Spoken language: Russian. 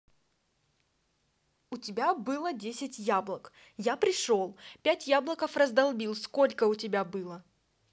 у тебя было десять яблоков я пришел пять яблоков раздолбил сколько у тебя было